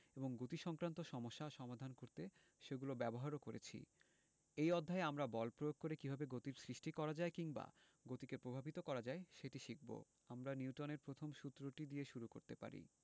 এবং গতিসংক্রান্ত সমস্যা সমাধান করতে সেগুলো ব্যবহারও করেছি এই অধ্যায়ে আমরা বল প্রয়োগ করে কীভাবে গতির সৃষ্টি করা যায় কিংবা গতিকে প্রভাবিত করা যায় সেটি শিখব আমরা নিউটনের প্রথম সূত্রটি দিয়ে শুরু করতে পারি